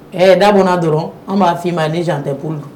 Ɛɛ da bɔn dɔrɔn an b'a f fɔma ni jan tɛp